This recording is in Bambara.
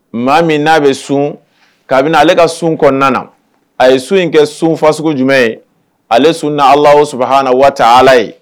Maa min n'a bɛ sun kabini ale ka sun kɔnɔna na a ye sun in kɛ sunfa sugu jumɛn ye ale sun ni ala saba h na waati ala ye